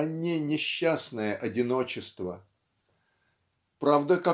а не несчастное одиночество. Правда